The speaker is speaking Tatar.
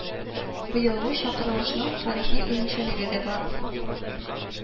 Быелгы чакырылышның тарихи үзенчәлеге дә бар